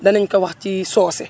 danañ ko wax ci soose